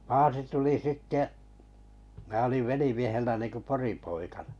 paasi tuli sitten minä olin velimiehellä niin kuin poripoikana